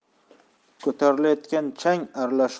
ko'tarilayotgan chang aralash